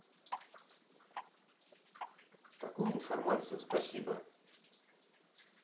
такую информацию спасибо